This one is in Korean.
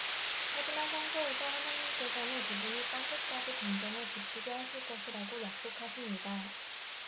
하지만 성서에서 하느님께서는 그분이 땅 끝까지 전쟁을 그치게 하실 것이라고 약속하십니다